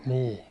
niin